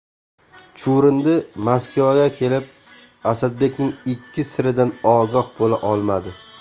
chuvrindi moskvaga kelib asadbekning ikki siridan ogoh bo'la olmadi